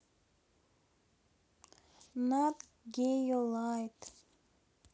нат гео лайт